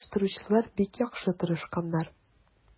Оештыручылар бик яхшы тырышканнар.